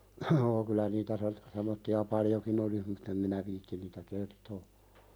joo kyllä niitä - semmoisia paljonkin olisi mutta en minä viitsi niitä kertoa